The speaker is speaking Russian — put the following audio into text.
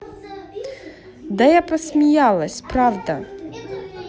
да я посмеялась правда